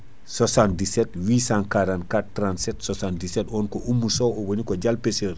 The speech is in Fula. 77 844 37 77 on ko Oumou Sow owoni ko Dial Pécheur